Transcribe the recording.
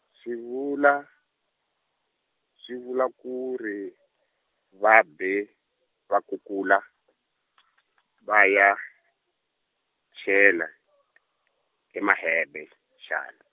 swi vula , swi vula ku ri , va be, va kukula , va ya, chela e Mahebe, xana.